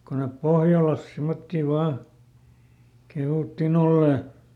kun ne pohjalassa semmoisia vain kehuttiin olleen